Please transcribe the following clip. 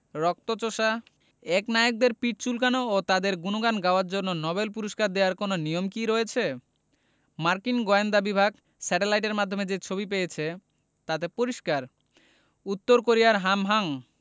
রক্তচোষা একনায়কদের পিঠ চুলকানো ও তাঁদের গুণগান গাওয়ার জন্য নোবেল পুরস্কার দেওয়ার কোনো নিয়ম কি রয়েছে মার্কিন গোয়েন্দা বিভাগ স্যাটেলাইটের মাধ্যমে যে ছবি পেয়েছে তাতে পরিষ্কার উত্তর কোরিয়ার হামহাং